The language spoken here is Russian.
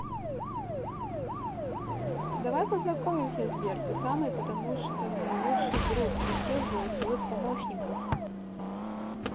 давай познакомимся сбер ты самый потому что мой лучший друг и всех голосовых помощников